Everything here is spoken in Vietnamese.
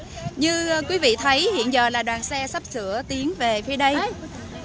như quý vị thấy hiện giờ là đoàn xe sắp sửa tiến về phía đây